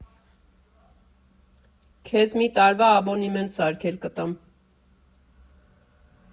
Քեզ մի տարվա աբոնեմենտ սարքել կտամ։